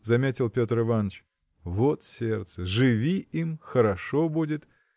– заметил Петр Иваныч, – вот сердце: живи им – хорошо будет.